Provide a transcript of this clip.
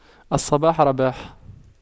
الصباح رباح